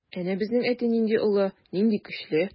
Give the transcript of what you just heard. Әнә безнең әти нинди олы, нинди көчле.